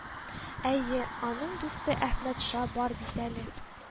Әйе, аның дусты Әхмәтша бар бит әле